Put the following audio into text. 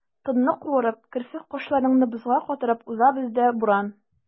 Тынны куырып, керфек-кашларыңны бозга катырып уза бездә буран.